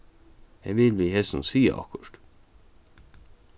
eg vil við hesum siga okkurt